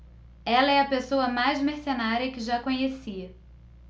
ela é a pessoa mais mercenária que já conheci